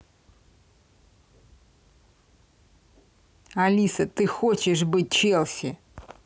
алиса ты хочешь быть челси